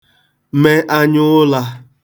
me anyaụlā